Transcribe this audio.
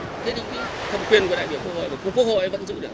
thế thì ký thẩm quyền của đại biểu quốc hội và của quốc hội vẫn giữ được